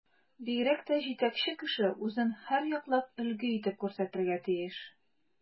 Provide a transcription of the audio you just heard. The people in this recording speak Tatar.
Бигрәк тә җитәкче кеше үзен һәрьяклап өлге итеп күрсәтергә тиеш.